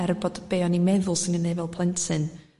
er bod be oni'n meddwl 'swn i'n neud fel plentyn